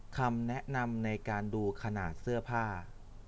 คำแนะนำในการดูขนาดเสื้อผ้า